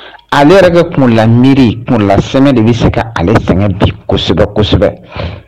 Ale yɛrɛ kun la miiri kunla sɛmɛ de bɛ se ka ale sɛgɛn bi kosɛbɛ kosɛbɛ